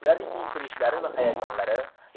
ularning intilishlari va hayajonlari